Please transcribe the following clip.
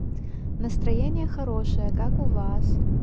настроение хорошее как у вас